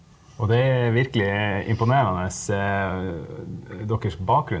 og det er virkelig imponerende deres bakgrunn.